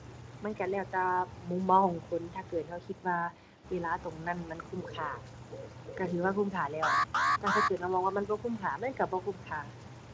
มันก็แล้วแต่มุมมองของคน ถ้าเกิดก็คิดว่า เวลาตรงนั้นมันคุ้มค่า ก็ถือว่าคุ้มค่าแล้ว แต่ถ้าเกิดว่ามองว่ามันบ่คุ้มค่า มันก็บ่คุ้มค่า